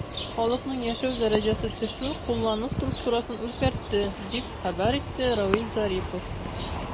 Халыкның яшәү дәрәҗәсе төшү куллану структурасын үзгәртте, дип хәбәр итте Равиль Зарипов.